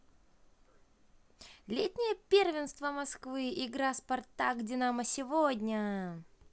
летнее первенство москвы игра спартак динамо сегодня